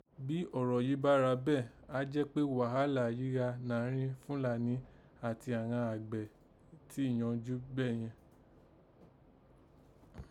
Bí ọ̀rọ̀ yìí bá gha bẹ́ẹ̀ á jẹ́ pé ghàhálà yìí ha nàárín Fúlàní àti àghan àgbẹ̀ tìì yanjú nìyẹn